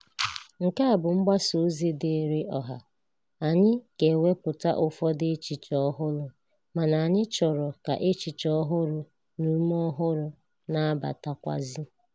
Nke a bụ mgbasa ozi dịịrị ọha – anyị ga-ewepụta ụfọdụ echiche ọhụrụ, mana anyị chọrọ ka echiche ọhụrụ na ume ọhụrụ na-abatakwazị.